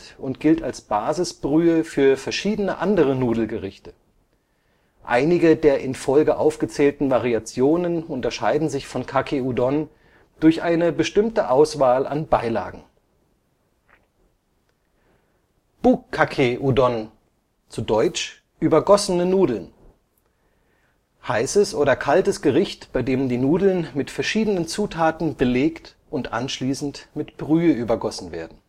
gilt als Basisbrühe für verschiedene andere Nudelgerichte. Einige der in Folge aufgezählten Variationen unterscheiden sich von Kake Udon durch eine bestimmte Auswahl an Beilagen. Bukkake Udon (ぶっかけうどん, „ Übergossene Nudeln “): Heißes oder kaltes Gericht, bei dem die Nudeln mit verschiedenen Zutaten belegt und anschließend mit Brühe übergossen werden